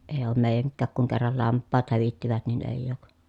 ei ole meidänkään kun kerran lampaat hävittivät niin ei ole